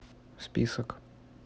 список